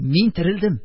Мин терелдем.